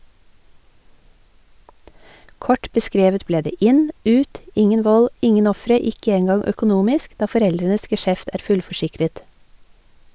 Kort beskrevet ble det inn, ut, ingen vold, ingen ofre, ikke engang økonomisk, da foreldrenes geskjeft er fullforsikret.